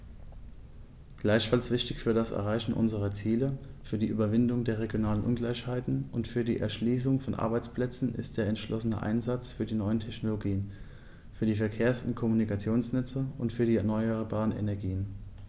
Gleichfalls wichtig für das Erreichen unserer Ziele, für die Überwindung der regionalen Ungleichheiten und für die Erschließung von Arbeitsplätzen ist der entschlossene Einsatz für die neuen Technologien, für die Verkehrs- und Kommunikationsnetze und für die erneuerbaren Energien.